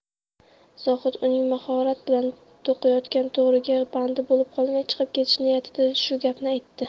zohid uning mahorat bilan to'qiyotgan to'riga bandi bo'lib qolmay chiqib ketish niyatida shu gapni aytdi